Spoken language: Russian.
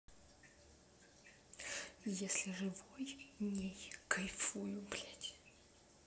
если живой ней кайфую блядь